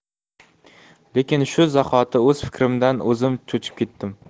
lekin shu zahoti o'z fikrimdan o'zim cho'chib ketdim